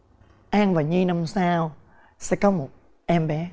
an và nhi năm sau sẽ có một em bé